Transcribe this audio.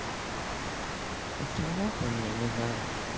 почему ты мне не дали